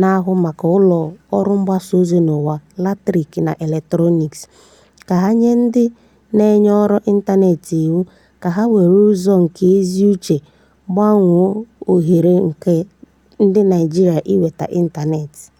na-ahụ maka ụlọ ọrụ mgbasa ozi n'ọwa latịriiki na eletroniiki] ka ha nye ndị na-enye ọrụ ịntaneetị iwu ka ha were ụzọ nke ezi uche gbanyụọ ohere nke ndị Naịjirịa inweta ịntaneetị.